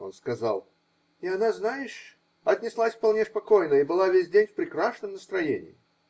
Он сказал: -- И она, знаешь, отнеслась вполне спокойно и была весь день в прекрасном настроении.